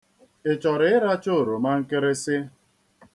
Ị chọrọ ịracha oromankịrịsị?